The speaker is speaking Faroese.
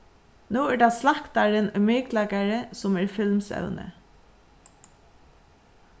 nú er tað slaktarin í miklagarði sum er filmsevnið